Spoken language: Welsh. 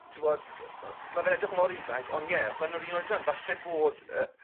t'bod yy yy ma' fe'n edrych mor ifanc on' ie ma' nw'r un oedran falle bod yy